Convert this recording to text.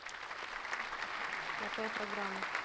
пятая программа